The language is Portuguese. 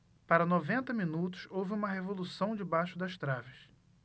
para noventa minutos houve uma revolução debaixo das traves